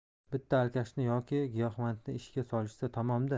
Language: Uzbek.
bitta alkashni yoki giyohvandni ishga solishsa tamom da